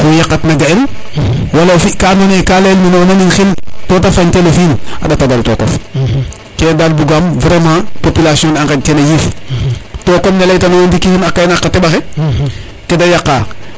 oxu yaqat na ga el wala o fi ka ando naye ka leyel mene o nanin xil to te fañ tel o fi in a ɗata dal tokof kene dal bugam vraiment population ne a ŋaƴ tin yiif to comme ne leyta nona niki a teɓa ke kete yaqa